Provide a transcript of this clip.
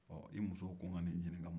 ɔ i musow ko ko n ka n'i ɲininka